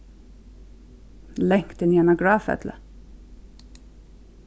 langt er niðan á gráfelli